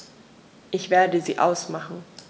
Ich werde sie ausmachen.